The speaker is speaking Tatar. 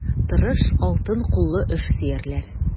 Тырыш, алтын куллы эшсөярләр.